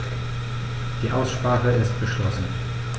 Die Aussprache ist geschlossen.